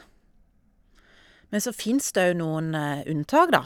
Men så fins der òg noen unntak, da.